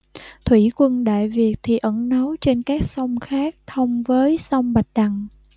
thủy quân đại việt thì ẩn náu trên các sông khác thông với sông bạch đằng